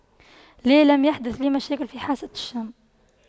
لا لم يحدث لي مشاكل في حاسة الشم